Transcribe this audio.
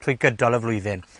trwy gydol y flwyddyn.